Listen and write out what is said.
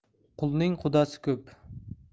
qulning qudasi ko'p